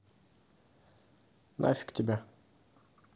нафиг тебя